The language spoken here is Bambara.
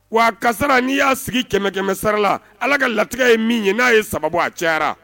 Ko a ka n'i y'a sigi kɛmɛ kɛmɛsari la ala ka latigɛ ye min ye n'a ye saba a cɛyara